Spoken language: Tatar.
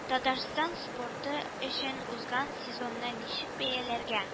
Татарстан спорты өчен узган сезонны ничек бәяләргә